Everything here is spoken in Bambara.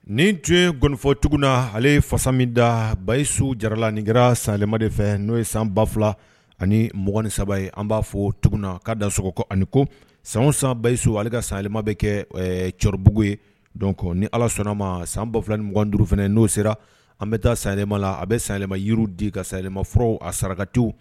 Nin tun ye gɔnifɔ tugun na ale ye fasa min da bayisu jarala ni kɛrara saɛlɛma de fɛ n'o ye san ba fila ani m ni saba ye an b'a fɔ tugun na k kaa da sɔgɔkɔ ani ko san sanbayisu ale ka salilima bɛ kɛ cɛkɔrɔbabugu ye don ni ala sɔnna ma san 2 2 ni m duuruuru fana n'o sera an bɛ taa saɛlɛma la a bɛ saɛlɛlima yiri di ka saɛlɛlimaf a sarakatiw